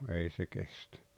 ei se kestä